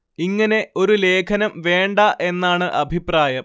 ഇങ്ങനെ ഒരു ലേഖനം വേണ്ട എന്നാണ് അഭിപ്രായം